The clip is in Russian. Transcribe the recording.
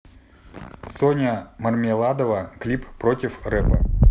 соня мармеладова клип против рэпа